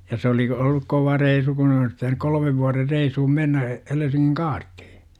ja se olikin ollut kova reissu kun olisi pitänyt kolmen vuoden reissuun mennä Helsingin kaartiin